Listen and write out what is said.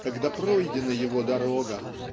когда пройдена его дорога